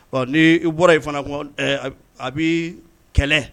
Ɔ ni i bɔra yen fana kɔ a bii kɛlɛ.